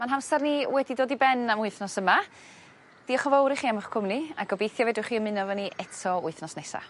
ma'n hamsar ni wedi dod i ben am wythnos yma diolch yn fowr i chi am 'ych cwmni a gobeithio fedrwch chi ymuno efo ni eto wythnos nesa.